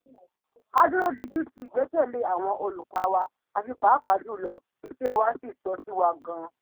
"A dúró digbí tí ìgbekẹ̀lé àwọn olùkà wa àti pàápàá jùlọ iṣẹ́ wa sì tọ́ sí wa gan.